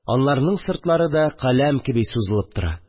Анларның сыртлары да каләм кеби сузылып тора